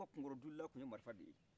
olu ka kungolo dulilan tun ye marfa de ye